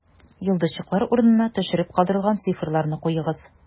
Йолдызчыклар урынына төшереп калдырылган цифрларны куегыз: